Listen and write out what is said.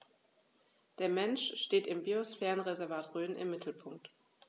Der Mensch steht im Biosphärenreservat Rhön im Mittelpunkt.